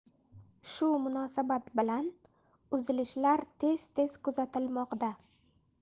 shu munosabat bilan uzilishlar tez tez kuzatilmoqda